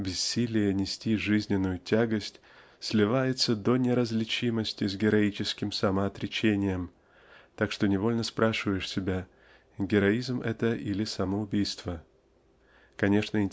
бессилия нести жизненную тягость сливается до неразличимости с героическим самоотречением так что невольно спрашиваешь себя героизм это или самоубийство? Конечно